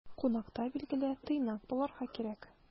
Кунакта, билгеле, тыйнак булырга кирәк.